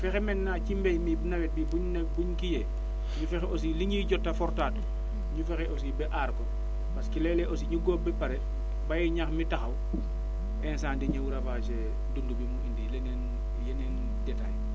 fexe maintenant ci mbéy mii nawet bi bu ñu bu ñu kii yee ñu fexe aussi li ñuy jot a fortaatu ñu fexe aussi ba aar ko parce que léeg-léeg aussi énu góob ba pare bàyyi ñax mi taxaw incendie ñëw ravager dund bi mu indi leneen yeneen détails